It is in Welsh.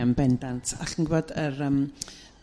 Ia'n bendant. A chi'n gw'bod yr yrm